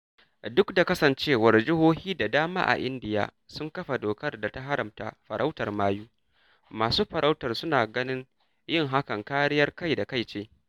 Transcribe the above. Duk da kasancewar jihohi da dama a Indiya sun kafa dokar da ta haramta farautar mayu, masu farautar su na ganin yin haka kariyar kai da kai ce.